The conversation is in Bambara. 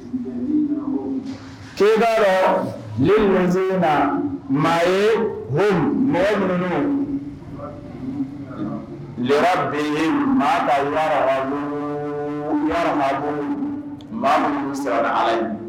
Tiɲɛ lesen in na maa ye minnu ra bɛ yen ma maa minnu siran ala